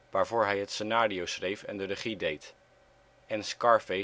waarvoor hij het scenario schreef en de regie deed, en Scarface